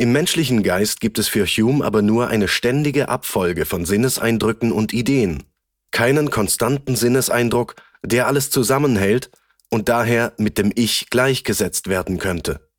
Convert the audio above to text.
menschlichen Geist gibt es für Hume aber nur eine ständige Abfolge von Sinneseindrücken und Ideen, keinen konstanten Sinneseindruck, der alles zusammenhält und daher mit dem Ich gleichgesetzt werden könnte